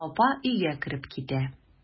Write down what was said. Апа өйгә кереп китә.